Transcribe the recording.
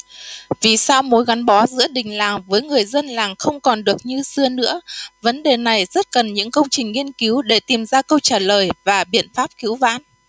vì sao mối gắn bó giữa đình làng với người dân làng không còn được như xưa nữa vấn đề này rất cần những công trình nghiên cứu để tìm ra câu trả lời và biện pháp cứu vãn